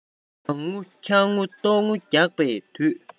གྲང ངུ འཁྱག ངུ ལྟོགས ངུ རྒྱག པའི དུས